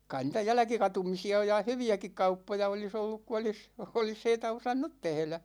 kai niitä jälkikatumisia on ja hyviäkin kauppoja olisi ollut kun olisi olisi heitä osannut tehdä